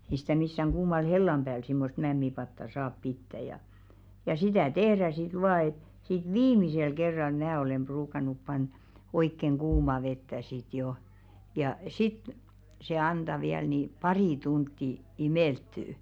ei sitä missään kuumalla hellan päällä semmoista mämmipataa saa pitää ja ja sitä tehdään sitten vain että sitten viimeisellä kerralla minä olen ruukannut panna oikein kuumaa vettä sitten jo ja sitten se antaa vielä niin pari tuntia imeltyä